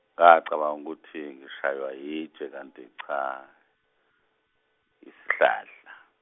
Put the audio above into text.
ngacabanga ukuthi ngishaywa yitshe kanti cha, yisihlahla.